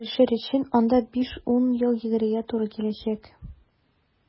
Нәрсәгәдер ирешер өчен анда 5-10 ел йөгерергә туры киләчәк.